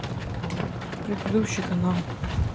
предыдущий канал